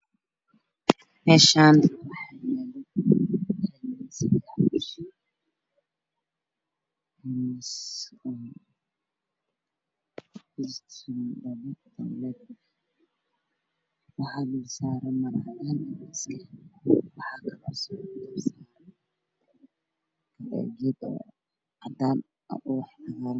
Meeshaas waxaa iiga muuqda kuraas lagu qadeeyo armaajo midabkeedu yahay cadays iyo madow miiska kaleerkiisu waa caddaan kuraastana waa cid ciid